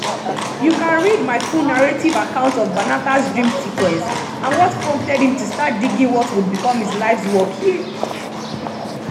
You can read my full narrative account of Banatah's dream sequence and what prompted him to start digging what would become his life's work here: